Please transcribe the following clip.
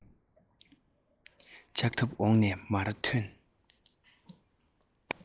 ལྕག ཐབས འོག ནས མར ཐོན